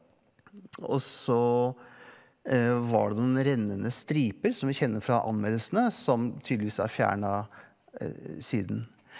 og så var det noen rennende striper som vi kjenner fra anmeldelsene som tydeligvis er fjerna siden.